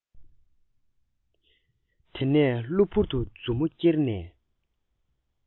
དེ ནས གློ བུར དུ མཛུབ མོ ཀེར ནས